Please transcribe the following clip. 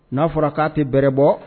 N'a fɔra k'a tɛrɛ bɔ